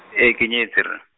ee ke nyetse ra.